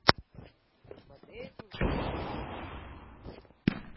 смотреть индийский фильм